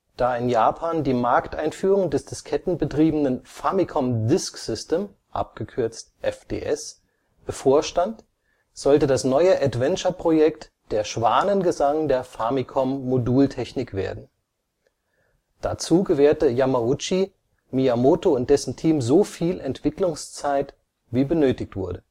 Da in Japan die Markteinführung des diskettenbetriebenen Famicom Disk System (FDS) bevorstand, sollte das neue Adventure-Projekt der Schwanengesang der Famicom-Modultechnik werden. Dazu gewährte Yamauchi Miyamoto und dessen Team so viel Entwicklungszeit, wie benötigt wurde